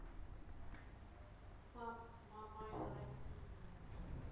пабг мобайл россия